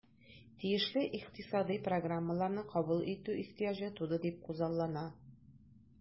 Тиешле икътисадый программаларны кабул итү ихтыяҗы туды дип күзаллана.